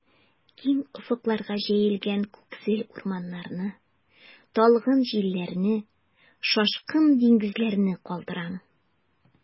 Киң офыкларга җәелгән күксел урманнарны, талгын җилләрне, шашкын диңгезләрне калдырам.